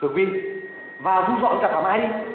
tường vi vào thu dọn với cả thảo mai đi